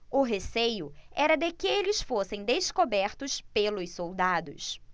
o receio era de que eles fossem descobertos pelos soldados